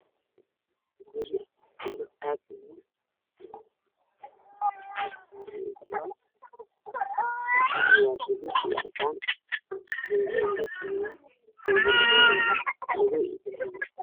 Waxaa ii muuqda guri villa ge yahay madow berbera ka waa shamindo